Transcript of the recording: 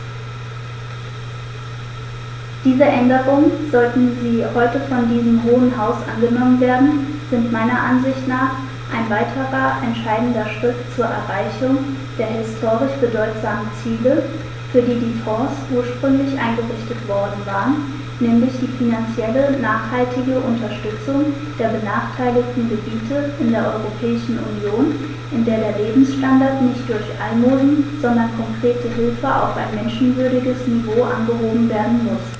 Diese Änderungen, sollten sie heute von diesem Hohen Haus angenommen werden, sind meiner Ansicht nach ein weiterer entscheidender Schritt zur Erreichung der historisch bedeutsamen Ziele, für die die Fonds ursprünglich eingerichtet worden waren, nämlich die finanziell nachhaltige Unterstützung der benachteiligten Gebiete in der Europäischen Union, in der der Lebensstandard nicht durch Almosen, sondern konkrete Hilfe auf ein menschenwürdiges Niveau angehoben werden muss.